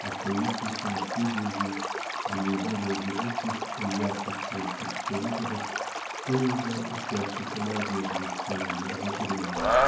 остающейся на всю жизнь -- в наиболее живучих и ярких своих представителях -- тою же учащеюся молодежью в своем мировоззрении.